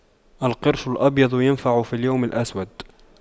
القرش الأبيض ينفع في اليوم الأسود